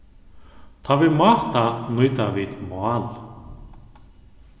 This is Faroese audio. tá vit máta nýta vit mál